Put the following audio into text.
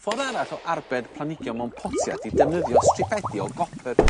Ffor' arall o arbed planigion mewn potia 'di defnyddio stripedi o gopyr.